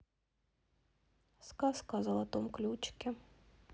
сказка о золотом ключике